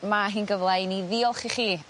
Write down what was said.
ma' hi'n gyfla i ni ddiolch i chi